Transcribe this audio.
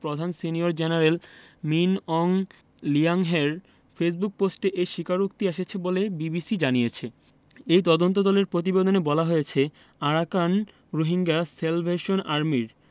প্রধান senior general Min Aung হ্লিয়াংয়ের Facebook পোস্টে এই স্বীকারোক্তি এসেছে বলে বিবিসি জানিয়েছে ওই তদন্তদলের প্রতিবেদনে বলা হয়েছে আরাকান রোহিঙ্গা স্যালভেশন আর্মির